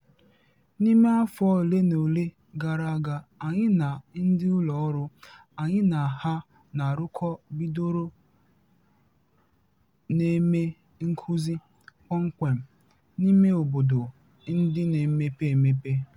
N'ime afọ olenaola gara aga, anyị na ndị ụlọ ọrụ anyị na ha na-arụkọ bidoro na-eme nkụzi, kpọmkwem n'ime obodo ndị na-emepe emepe.